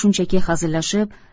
shunchaki hazillashib